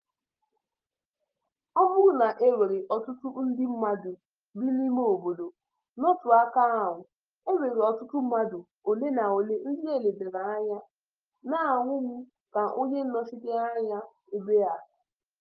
Ọ bụrụ na e nwere ọtụtụ ndị mmadụ bi n'imeobodo, n'otu aka ahụ, e nwere ọtụtụ mmadụ ole na ole ndị e ledara anya na-ahụ mụ ka onye nnọchiteanya ha ebe a.